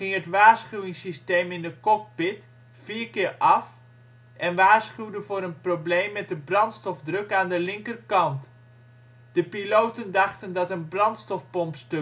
het waarschuwingssysteem in de cockpit vier keer af en waarschuwde voor een probleem met de brandstofdruk aan de linkerkant. De piloten dachten dat een brandstofpomp